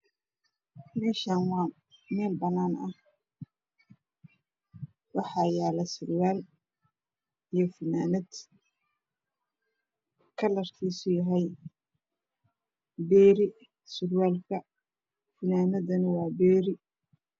Meeshan waa meel banaan ah waxaa yaalo surwal iyo funaanad kalarkiisu yahay beeri surwalka funaanadana waa beeri